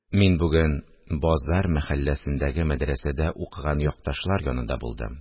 Мин бүген базар мәхәлләсендәге мәдрәсәдә укыган якташлар янында булдым